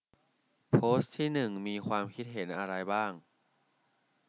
โพสต์ที่หนึ่งมีความคิดเห็นอะไรบ้าง